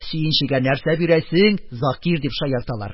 Сөенчегә нәрсә бирәсең Закир? - дип шаярталар.